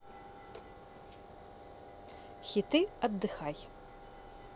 хиты отдыхай